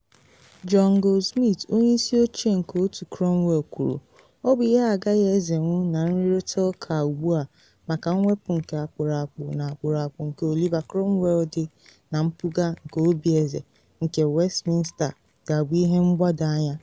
John Goldsmith, onye isi oche nke Otu Cromwell, kwuru: “Ọ bụ ihe agaghị ezenwu na nrịrụta ụka ugbu a maka mwepu nke akpụrụakpụ na akpụrụakpụ nke Oliver Cromwell dị na mpụga nke Obieze nke Westminster ga-abụ ihe mgbado anya.